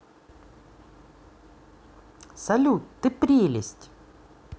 салют ты прелесть